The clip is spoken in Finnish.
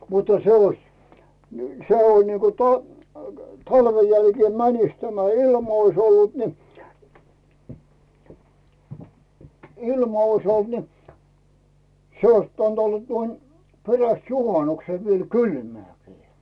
mutta se olisi - se on niin kuin - talven jälkeen menisi tämä ilma olisi ollut niin ilma olisi ollut niin se olisi pitänyt olla tuon perästä juhanuksen vielä kylmääkin